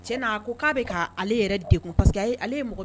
tiɲɛna o ko k'a bɛk ale yɛrɛ degun parce que ale ye mɔgɔ